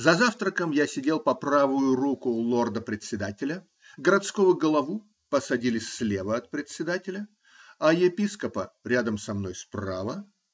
За завтраком я сидел по правую руку лорда-председателя, городского голову посадили слева от председателя, а епископа -- рядом со мной справа.